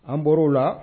An bɔr'o la